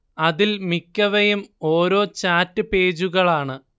അതിൽ മിക്കവയും ഓരോ ചാറ്റ് പേജുകളാണ്